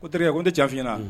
O terikɛ ko n tɛ cɛ'iɲɛna